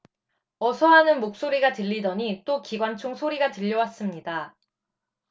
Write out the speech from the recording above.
어서 하는 목소리가 들리더니 또 기관총 소리가 들려왔습니다